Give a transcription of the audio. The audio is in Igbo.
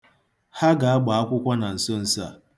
Ha ga-agba akwụkwọ na nsonso a.